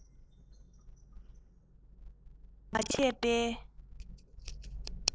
སྡེབ བསྒྲིགས མ བྱས པའི